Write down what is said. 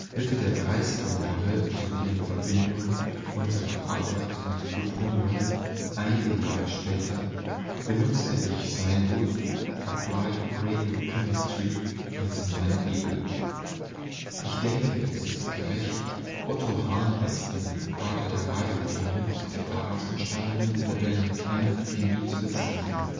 Mitte der 30er Jahre, sowie in Verbindung mit unserer Arbeit mit Plutonium einige Jahre später, benutzte ich sein Buch ‚ Applied Radiochemistry ‘als meine Bibel. […] Ich denke, es ist gerecht, Otto Hahn als den Vater der Radiochemie und der daraus entstandenen modernen Kernchemie zu bezeichnen